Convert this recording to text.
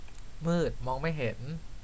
มืดมองไม่เห็น